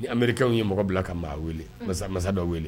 Ni americain ye mɔgɔ bila ka maa wele,. Un. Masa masa dɔ wele.